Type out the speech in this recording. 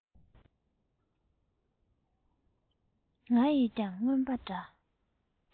ང ཡིས ཀྱང རྔན པ འདྲ